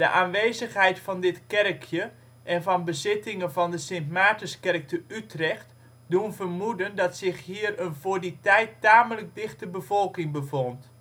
aanwezigheid van dit kerkje en van bezittingen van de Sint-Maartenskerk te Utrecht doen vermoeden dat zich hier een voor die tijd tamelijk dichte bevolking bevond